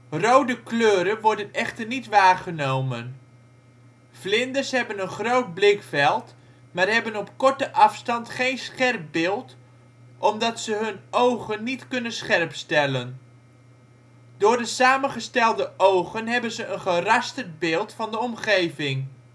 Rode kleuren worden echter niet waargenomen. Vlinders hebben een groot blikveld maar hebben op korte afstand geen scherp beeld omdat ze hun ogen niet kunnen scherpstellen. Door de samengestelde ogen hebben ze een gerasterd beeld van de omgeving